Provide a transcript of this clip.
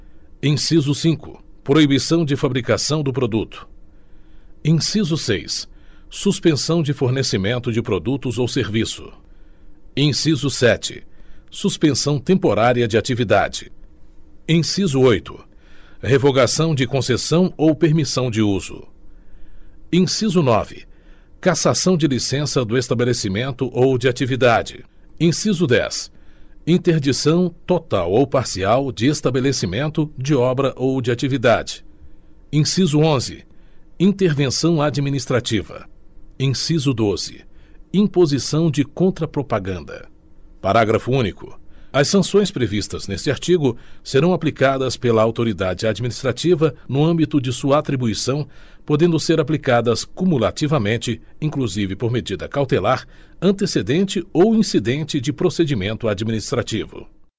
inciso cinco proibição de fabricação do produto inciso seis suspensão de fornecimento de produtos ou serviço inciso sete suspensão temporária de atividade inciso oito revogação de concessão ou permissão de uso inciso nove cassação de licença do estabelecimento ou de atividade inciso dez interdição total ou parcial de estabelecimento de obra ou de atividade inciso onze intervenção administrativa inciso doze imposição de contrapropaganda parágrafo único as sanções previstas neste artigo serão aplicadas pela autoridade administrativa no âmbito de sua atribuição podendo ser aplicadas cumulativamente inclusive por medida cautelar antecedente ou incidente de procedimento administrativo